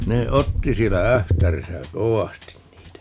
ne otti siellä Ähtärissä kovasti niitä